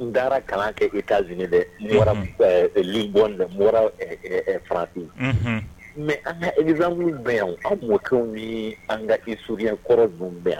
N taara kalan kɛ e taze dɛ ɔnraw farati mɛ an ka ez bɛ yan an mɔw ni an ka i surunuryyakɔrɔ dun bɛ